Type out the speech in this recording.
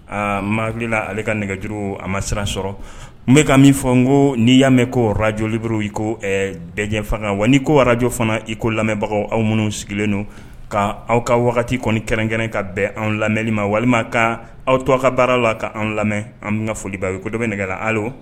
Aa ma hakilila ale ka nɛgɛjuru a ma siran sɔrɔ n bɛka ka min fɔ n ko n'i y'a mɛn kojlib y i ko bɛɛfan wa ni ko waraj fana i ko lamɛnbagaw aw minnu sigilen don ka aw ka wagati kɔni kɛrɛnkɛrɛn ka bɛn an lamɛnli ma walima ka aw tɔ ka baara la kaan lamɛn an bɛ foliba u ko dɔ bɛ nɛgɛla'